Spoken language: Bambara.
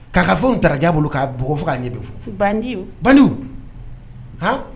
K'a ka fɛnw ta ka cɛn a bolo, k'a bugɔ fo k'a ɲɛ bɛɛ funun funun. Bandum. Badum, han.